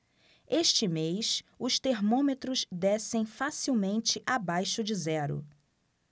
este mês os termômetros descem facilmente abaixo de zero